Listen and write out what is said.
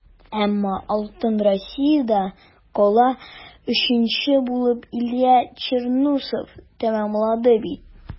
Әмма алтын Россиядә кала - өченче булып Илья Черноусов тәмамлады бит.